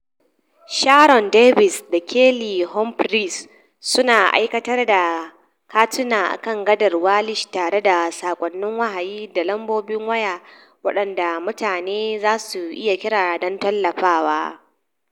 Sharon Davis da Kelly Humphreys su na ta aikatar da katuna a kan gadar Welsh tare da sakonnin wahayi da lambobin waya waɗanda mutane zasu iya kira don tallafawa.